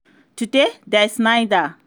"Today, there's neither."